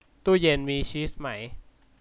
ตู้เย็็นมีชีสไหม